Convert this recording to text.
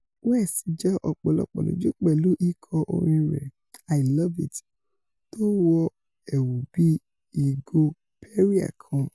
West jọ ọ̀pọ̀lọpọ̀ lójú pẹ̀lú ìkọ orin rẹ̀ I Love it, tó wọ ẹ̀wù bíi Ìgò Perrier kan.